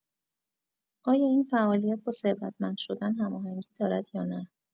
آیا این فعالیت با ثروتمند شدن هماهنگی دارد یا نه؟